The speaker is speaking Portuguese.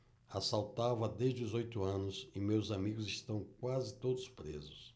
assaltava desde os oito anos e meus amigos estão quase todos presos